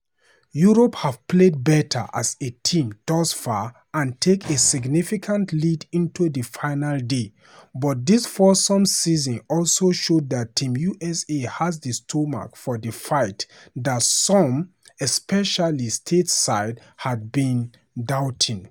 Europe have played better as a team thus far and take a significant lead into the final day but this foursomes session also showed that Team USA has the stomach for the fight that some, especially Stateside, had been doubting.